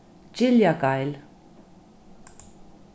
giljageil